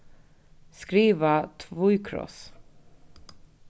skriva tvíkross